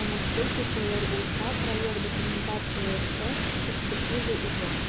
намуслы кешеләр булса - проект документациясе экспертиза уза.